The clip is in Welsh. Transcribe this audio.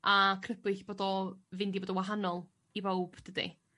A crybwyll bod o fynd i fod yn wahanol i bowb dydi?